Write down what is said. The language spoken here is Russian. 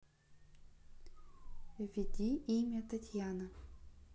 введи имя татьяна